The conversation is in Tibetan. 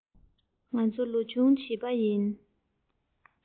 ང ཚོ ལོ ཆུང བྱིས པ ཡིན